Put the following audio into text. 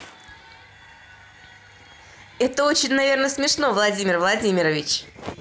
это очень наверно смешно владимир владимирович